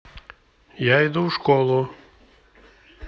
я иду в школу